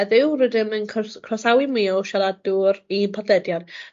heddiw rydym yn cwrs- crosawu mi o siaradwr i podlediad.